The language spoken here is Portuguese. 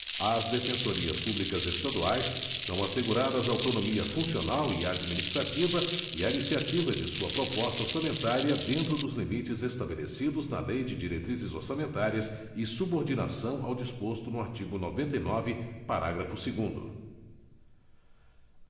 às defensorias públicas estaduais são asseguradas autonomia funcional e administrativa e a iniciativa de sua proposta orçamentária dentro dos limites estabelecidos na lei de diretrizes orçamentárias e subordinação ao disposto no artigo noventa e nove parágrafo segundo